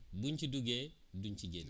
buñ ci duggee duñ ci génn